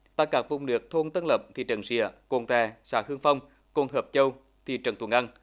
tại các vùng nước thôn tân lập thị trấn sịa cồn tè xã hương phong cùng hợp châu thị trấn tuấn anh